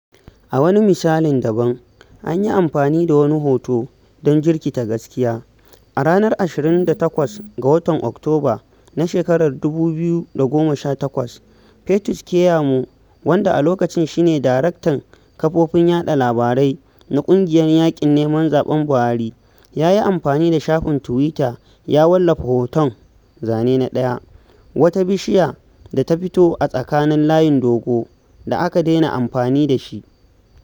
A wani misalin daban, an yi amfani da wani hoto don jirkita gaskiya. A ranar 28 ga watan Oktoba na shekarar 2018, Festus Keyamo, wanda a lokacin shi ne daraktan kafofin yaɗa labarai na ƙungiyar Yaƙin Neman Zaɓen Buhari, ya yi amfani da shafin tuwita ya wallafa hoton (Zane na 1) wata bishiya da ta fito a tsakaninlayin dogo da aka daina amfani da shi a Nijeriya.